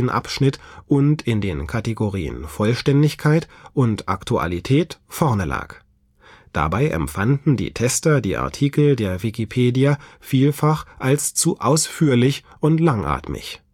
abschnitt und in den Kategorien „ Vollständigkeit “und „ Aktualität “vorne lag. Dabei empfanden die Tester die Artikel der Wikipedia vielfach als zu ausführlich und langatmig